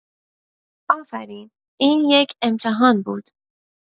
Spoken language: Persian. آفرین این یک امتحان بود.